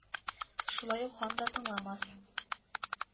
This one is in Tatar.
Шулай ук хан да тыңламас